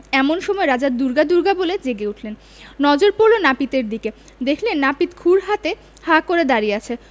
এমন সময় রাজা দুর্গা দুর্গা বলে জেগে উঠলেন নজর পড়ল নাপিতের দিকে দেখলেন নাপিত ক্ষুর হাতে হাঁ করে দাড়িয়ে আছে